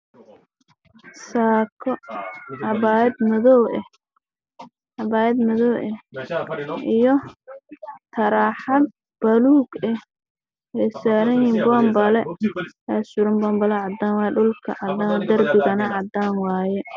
Saako iyo cabaayad madow ah